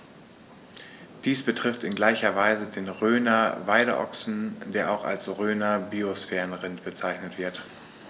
Dies betrifft in gleicher Weise den Rhöner Weideochsen, der auch als Rhöner Biosphärenrind bezeichnet wird.